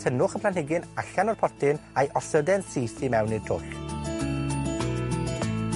tynnwch y planhigyn allan o'r potyn, a'i osod e'n syth i mewn i'r twll.